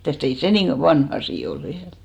mitäs ei se niin vanha asia ole vielä